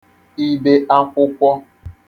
ibe akwụkwọ